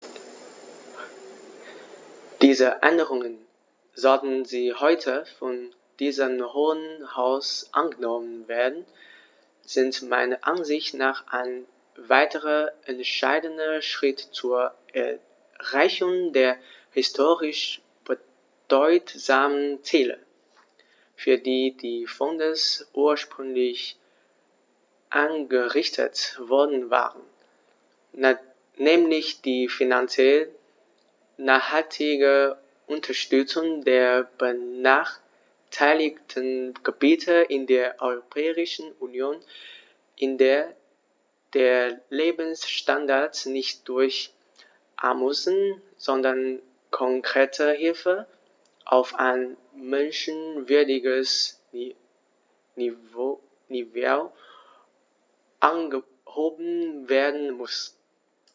Diese Änderungen, sollten sie heute von diesem Hohen Haus angenommen werden, sind meiner Ansicht nach ein weiterer entscheidender Schritt zur Erreichung der historisch bedeutsamen Ziele, für die die Fonds ursprünglich eingerichtet worden waren, nämlich die finanziell nachhaltige Unterstützung der benachteiligten Gebiete in der Europäischen Union, in der der Lebensstandard nicht durch Almosen, sondern konkrete Hilfe auf ein menschenwürdiges Niveau angehoben werden muss.